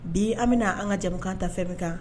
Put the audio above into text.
Bi an bɛna an ka jɛmukan ta fɛn min kan